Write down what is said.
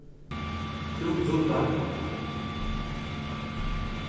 tú ruddar